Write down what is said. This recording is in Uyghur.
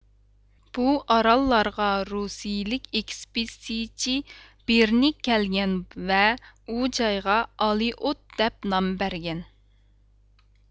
بۇ ئاراللارغا رۇسىيىلىك ئىكىسپىدىتچى برېنگ كەلگەن ۋە ئۇ جايغا ئالېئوت دەپ نام بەرگەن